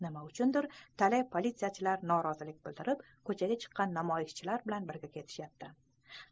nima uchundir talay politsiyachilar norozilik bildirib ko'chaga chiqqan namoyishchilar bilan birga ketishyapti